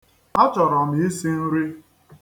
Achọrọ m isi nri.